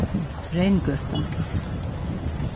reyngøta